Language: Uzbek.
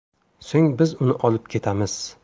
so'ng biz uni olib ketamiz